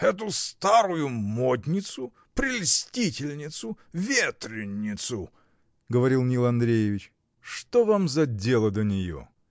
эту старую модницу, прельстительницу, ветреницу. — говорил Нил Андреич. — Что вам за дело до нее?